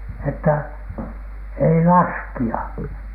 että ei laskea